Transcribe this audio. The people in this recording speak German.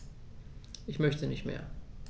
Ich möchte nicht mehr.